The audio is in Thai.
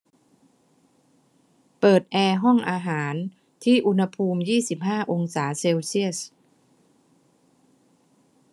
เปิดแอร์ห้องอาหารที่อุณหภูมิยี่สิบห้าองศาเซลเซียส